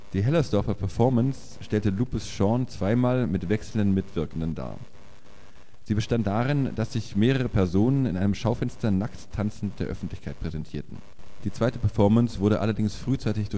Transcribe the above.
Die Hellersdorfer Performance stellte Lupus Shaun zweimal mit wechselnden Mitwirkenden dar. Sie bestand darin, dass sich mehrere Personen in einem Schaufenster nackt tanzend der Öffentlichkeit präsentierten. Die zweite Performance wurde allerdings frühzeitig